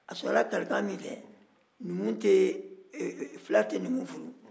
a sɔrɔla kalikan min fɛ fila tɛ numu furu